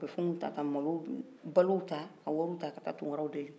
u bɛ fɛnw ta ka malow balow ta wariw ta ka taa tunkaraw deli